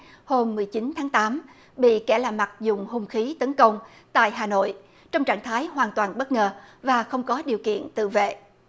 hôm mười chín tháng tám bị kẻ lạ mặt dùng hung khí tấn công tại hà nội trong trạng thái hoàn toàn bất ngờ và không có điều kiện tự vệ